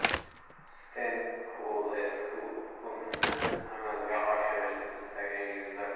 stenkulesku hukmni amalga oshirishni istagan yuzlab